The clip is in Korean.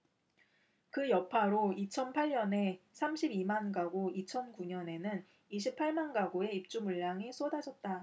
그 여파로 이천 팔 년에 삼십 이 만가구 이천 구 년에는 이십 팔 만가구의 입주물량이 쏟아졌다